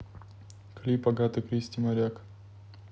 клип агаты кристи моряк